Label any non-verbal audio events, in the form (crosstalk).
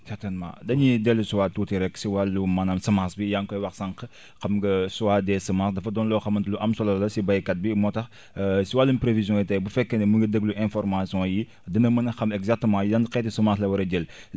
certainement dañuy dellu si waat tuuti rek si wàllum maanaam semence bi yaa ngi koy wax sànq (breath) xam nga (hesitation) choix des semences dafa doon loo xamante lu am solo la si béykat bi moo tax (breath) (hesitation) si wàllum prévision yi tey bu fekkee ne mu ngi déglu information yi dina mën a xam exactement yan xeetu semence la war a jël (breath)